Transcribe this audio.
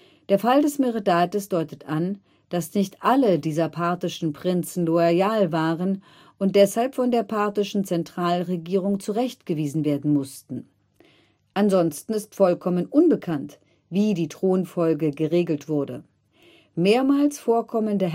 Der Fall des Meredates deutet an, dass nicht alle dieser parthischen Prinzen loyal waren und deshalb von der parthischen Zentralregierung zurechtgewiesen werden mussten. Ansonsten ist vollkommen unbekannt, wie die Thronfolge geregelt wurde. Mehrmals vorkommende